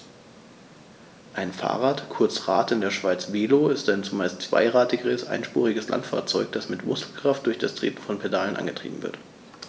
Ein Fahrrad, kurz Rad, in der Schweiz Velo, ist ein zumeist zweirädriges einspuriges Landfahrzeug, das mit Muskelkraft durch das Treten von Pedalen angetrieben wird.